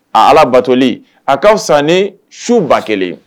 A ala batoli a k kaaw san ni su ba kelen